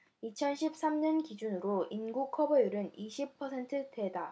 이천 십 삼 년 기준으로 인구 커버율은 이십 퍼센트대다